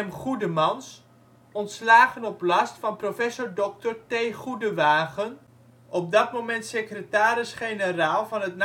Goedemans, ontslagen op last van prof. dr. T. Goedewaagen, op dat moment secretaris-generaal van het